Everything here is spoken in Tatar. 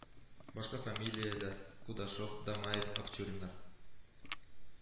Башка фамилияләр Кудашев, Дамаев, Акчуриннар